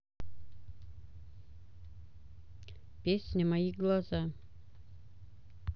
песня мои глаза